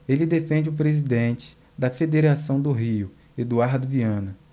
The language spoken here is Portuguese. ele defende o presidente da federação do rio eduardo viana